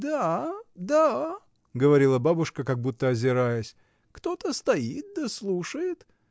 — Да, да, — говорила бабушка, как будто озираясь, — кто-то стоит да слушает!